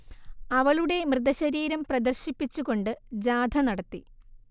അവളുടെ മൃതശരീരം പ്രദർശിപ്പിച്ചുകൊണ്ട് ജാഥ നടത്തി